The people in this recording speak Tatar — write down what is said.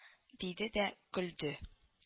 — диде дә көлде